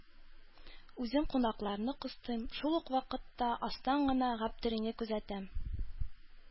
Үзем кунакларны кыстыйм, шул ук вакытта астан гына Гаптерине күзәтәм.